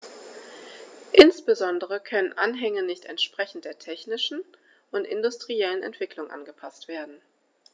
Insbesondere können Anhänge nicht entsprechend der technischen und industriellen Entwicklung angepaßt werden.